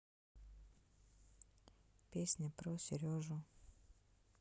песня про сережу